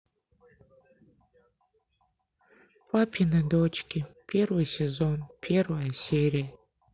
папины дочки первый сезон первая серия